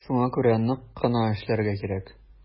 Шуңа күрә нык кына эшләргә кирәк.